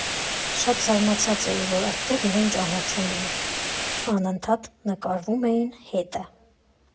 Շատ զարմացել էր, որ այստեղ իրեն ճանաչում էին, անընդհատ նկարվում էին հետը։